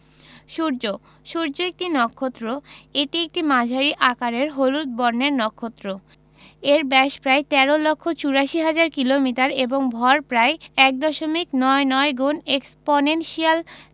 সূর্যঃ সূর্য একটি নক্ষত্র এটি একটি মাঝারি আকারের হলুদ বর্ণের নক্ষত্র এর ব্যাস প্রায় ১৩ লক্ষ ৮৪ হাজার কিলোমিটার এবং ভর প্রায় এক দশমিক নয় নয় এক্সপনেনশিয়াল